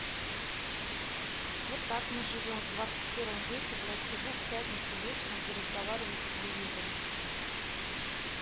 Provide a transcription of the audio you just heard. вот так мы живем в двадцать первом веке блядь сижу в пятницу вечером и разговариваю с телевизором